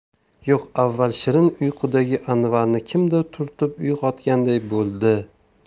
yo'q avval shirin uyqudagi anvarni kimdir turtib uyg'otganday bo'ldi